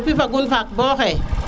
yàm depuis fagun faak bo xaye